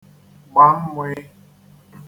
gbà mmụị̄